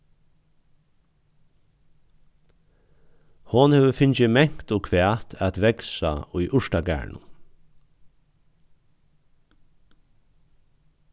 hon hevur fingið mangt og hvat at vaksa í urtagarðinum